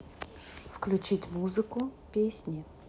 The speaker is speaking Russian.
включить музыку песни